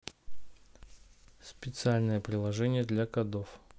специальное приложение для кодов